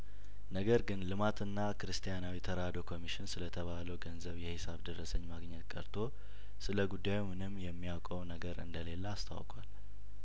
ነገር ግን ልማትና ክርስቲያናዊ ተራድኦ ኮሚሽን ስለተባለው ገንዘብ የሂሳብ ደረሰኝ ማግኘት ቀርቶ ስለጉዳዩ ምንም የሚያውቀው ነገር እንደሌለ አስታውቋል